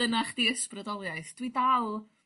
dyna chdi ysbrydoliaeth dwi dal